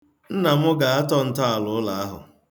Nna m ga-atọ ntọala ụlọ ahụ.